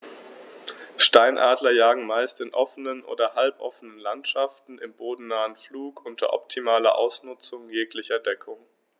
Steinadler jagen meist in offenen oder halboffenen Landschaften im bodennahen Flug unter optimaler Ausnutzung jeglicher Deckung.